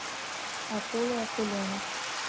акула акуленок